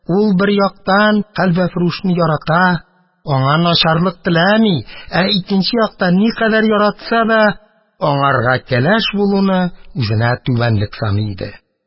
Ул, бер яктан, хәлвәфрүшне ярата, аңа начарлык теләми, ә икенче яктан, никадәр яратса да, аңарга кәләш булуны үзенә түбәнлек саный иде…